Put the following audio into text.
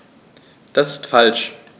Das ist falsch.